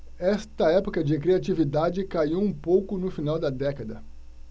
esta época de criatividade caiu um pouco no final da década